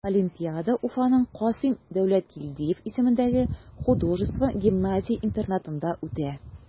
Олимпиада Уфаның Касыйм Дәүләткилдиев исемендәге художество гимназия-интернатында үтә.